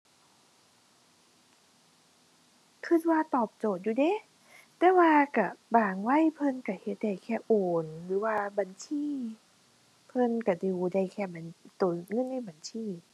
คิดว่าตอบโจทย์อยู่เดะ แต่ว่าคิดบางวัยเพิ่นคิดเฮ็ดได้แค่โอนหรือว่าบัญชี เพิ่นคิดดูได้แค่เหมือนคิดเงินในบัญชี